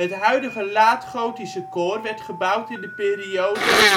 huidige laat-gotische koor werd gebouwd in de periode